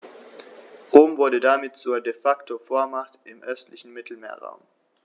Rom wurde damit zur ‚De-Facto-Vormacht‘ im östlichen Mittelmeerraum.